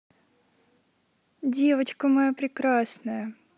девочка моя прекрасная